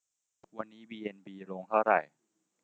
วันนี้บีเอ็นบีลงเท่าไหร่